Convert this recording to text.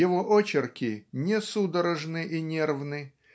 его очерки не судорожны и нервны